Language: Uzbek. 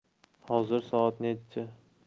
hozir soat nechi